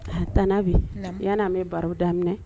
Tantie Ami yani an bɛ baro daminɛ